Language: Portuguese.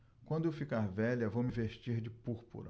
quando eu ficar velha vou me vestir de púrpura